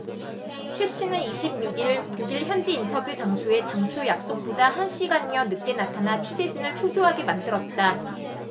최씨는 이십 육 일 독일 현지 인터뷰 장소에 당초 약속보다 한 시간여 늦게 나타나 취재진을 초조하게 만들었다